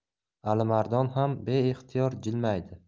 alimardon ham beixtiyor jilmaydi